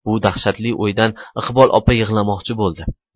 bu dahshatli o'ydan iqbol opa yig'lamoqchi bo'ldi